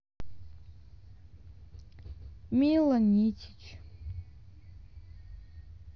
мила нитич